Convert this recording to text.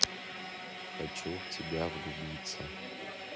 хочу в тебя влюбиться